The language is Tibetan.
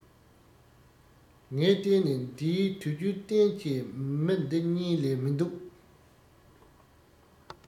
ངས ལྟས ནས འདིའི དུ རྒྱུན ཏན གྱི མི འདི གཉིས ལས མི འདུག